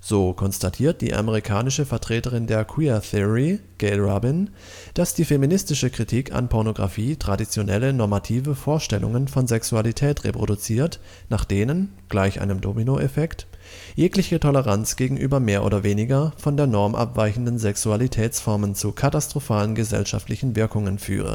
So konstatiert die amerikanische Vertreterin der Queer Theory Gayle Rubin, dass die feministische Kritik an Pornografie traditionelle normative Vorstellungen von Sexualität reproduziert, nach denen – gleich einem Dominoeffekt – jegliche Toleranz gegenüber mehr oder weniger von der Norm abweichenden Sexualitätsformen zu katastrophalen gesellschaftlichen Wirkungen führe